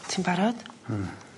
Ti'n barod> Hmm.